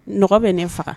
Nɔgɔ bɛ ne faga